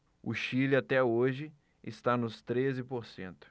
o chile até hoje está nos treze por cento